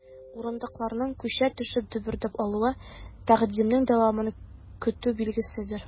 Урындыкларның, күчә төшеп, дөбердәп алуы— тәкъдимнең дәвамын көтү билгеседер.